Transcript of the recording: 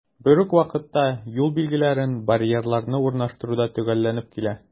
Бер үк вакытта, юл билгеләрен, барьерларны урнаштыру да төгәлләнеп килә.